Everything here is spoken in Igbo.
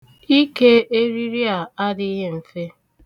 Ike eriri a adịghị mfe.